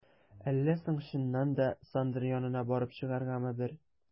Әллә соң чыннан да, Сандра янына барып чыгаргамы бер?